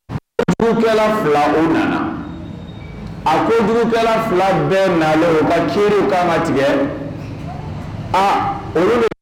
Kojugukɛla fila, u nana. A kojugukɛla fila bɛɛ nalen u ka kiri ka kan ka tigɛ, ah, u ka